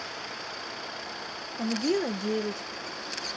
ангина девять